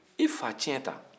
i facɛn ta